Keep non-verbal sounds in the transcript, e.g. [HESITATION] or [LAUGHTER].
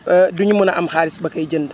[HESITATION] du mën a am xaalis ba koy jënd